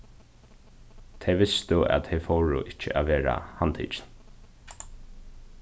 tey vistu at tey fóru ikki at verða handtikin